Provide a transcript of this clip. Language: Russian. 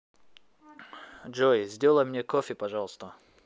джой сделай мне кофе пожалуйста